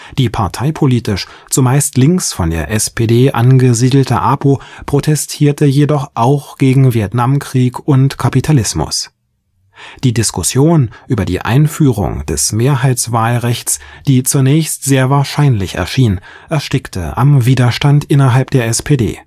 Die politisch zumeist links von der SPD angesiedelte APO protestierte jedoch auch gegen Vietnam-Krieg und Kapitalismus. Die Diskussion über die Einführung des Mehrheitswahlrechts, die zunächst sehr wahrscheinlich erschien, erstickte am Widerstand innerhalb der SPD